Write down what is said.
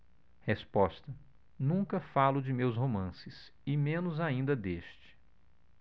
resposta nunca falo de meus romances e menos ainda deste